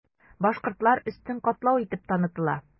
Башкортлар өстен катлау итеп танытыла.